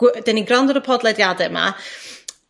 gwy- 'dan ni'n grando ar y podlediade 'ma